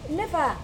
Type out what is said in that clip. Ne fa